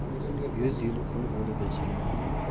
yuz yil qul bo'lib yashagandan